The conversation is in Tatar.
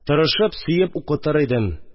Тырышып, сөеп укытыр идем